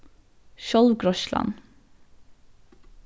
sjálvgreiðslan